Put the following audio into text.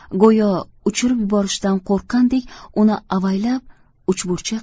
go'yo uchirib yuborishdan qo'rqqandek uni avaylab uchburchak